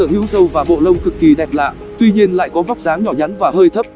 sở hữu râu và bộ lông cực kỳ đẹp lạ tuy nhiên lại có vóc dáng nhỏ nhắn và hơi thấp